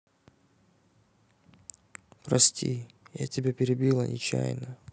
прости я тебя перебила нечаянно